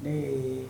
Ne ee